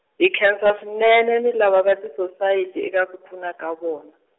hi nkhensa swinene ni lava va tisosayiti eka ku pfuna ka vona.